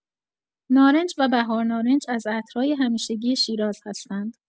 نارنج و بهارنارنج از عطرهای همیشگی شیراز هستند.